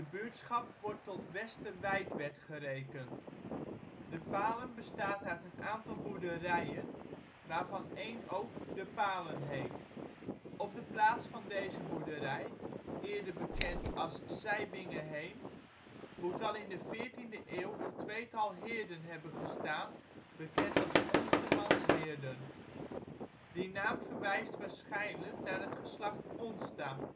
buurtschap wordt tot Westerwijtwerd gerekend. De Palen bestaat uit een aantal boerderijen, waarvan een ook De Palen heet. Op de plaats van deze boerderij, eerder bekend als Sijbingeheem, moet al in de veertiende eeuw een tweetal heerden hebben gestaan bekend als Onsterman 's heerden. Die naam verwijst waarschijnlijk naar het geslacht Onsta